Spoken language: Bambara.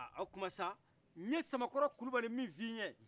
o tuman sa n snakɔrɔ kulubali min f'i ye